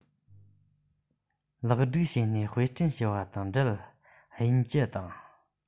ལེགས སྒྲིག བྱས ནས དཔེ སྐྲུན བྱས པ དང འབྲེལ དབྱིན ཇི དང